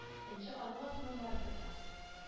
Энҗе аның артыннан барып тота